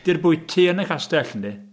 Ydy'r bwyty yn y castell, yndi?